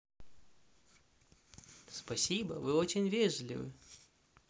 спасибо вы очень вежливы